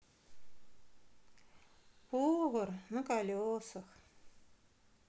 повар на колесах